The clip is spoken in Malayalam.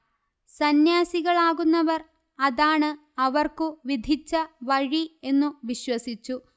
സന്യാസികളാകുന്നവർ അതാണ് അവർക്കു വിധിച്ച വഴി എന്നു വിശ്വസിച്ചു